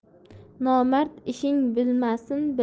nomard ishing bilmasin